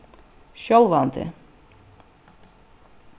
sjálvandi